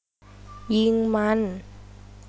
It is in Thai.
ยิงมัน